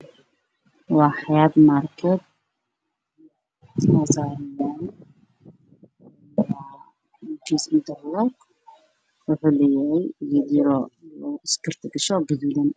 Waa xayaat market